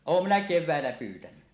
olen minä keväällä pyytänyt